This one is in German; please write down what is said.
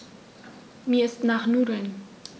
Mir ist nach Nudeln.